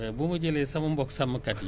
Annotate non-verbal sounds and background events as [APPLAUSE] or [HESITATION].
[HESITATION] waaw xam nga